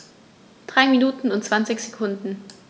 3 Minuten und 20 Sekunden